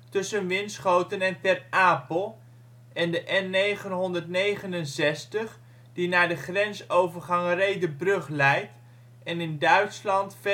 tussen Winschoten en Ter Apel en de N969 die naar de grensovergang Rhederbrug leidt en in Duitsland